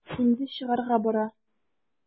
Инде чыгарга бара.